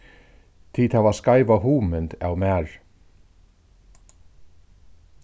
tit hava skeiva hugmynd av mær